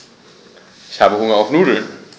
Ich habe Hunger auf Nudeln.